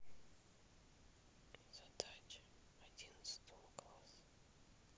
задачи одиннадцатого класса